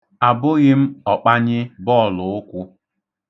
Abụghị m ọkpanyị bọọlụụkwụ.